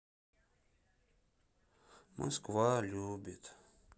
москва любит